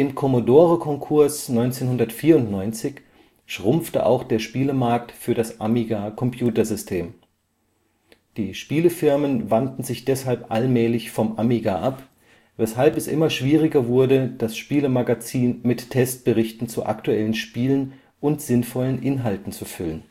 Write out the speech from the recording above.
Commodore-Konkurs 1994 schrumpfte auch der Spiele-Markt für das Amiga-Computersystem. Die Spielefirmen wandten sich deshalb allmählich vom Amiga ab, weshalb es immer schwieriger wurde, das Spiele-Magazin mit Testberichten zu aktuellen Spielen und sinnvollen Inhalten zu füllen